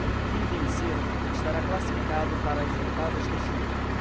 quem vencer estará classificado para as oitavas de final